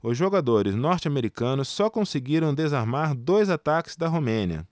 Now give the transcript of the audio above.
os jogadores norte-americanos só conseguiram desarmar dois ataques da romênia